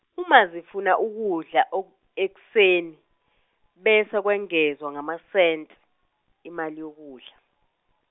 uma zifuna ukudla og- ekuseni, bese kwengezwa ngama cent imali yokudla.